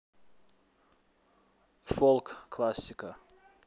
фолк классика